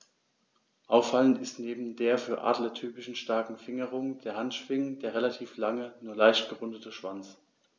Auffallend ist neben der für Adler typischen starken Fingerung der Handschwingen der relativ lange, nur leicht gerundete Schwanz.